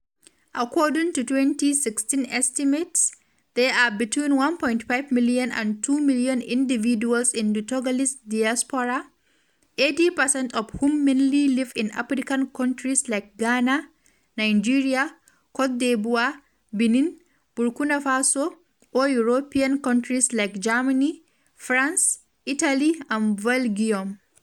According to 2016 estimates, there are between 1.5 million and 2 million individuals in the Togolese diaspora, 80 percent of whom mainly live in African countries like Ghana, Nigeria, Côte d’Ivoire, Benin, Burkina Faso, or European countries like Germany, France, Italy, and Belgium.